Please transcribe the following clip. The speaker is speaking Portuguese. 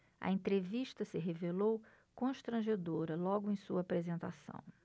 a entrevista se revelou constrangedora logo em sua apresentação